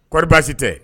Koɔri baasi tɛ